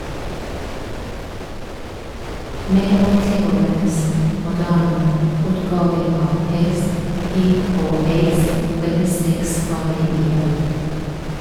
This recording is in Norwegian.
Med åttiårenes moderne utgave av pest, hiv og aids, ble sex farlig igjen.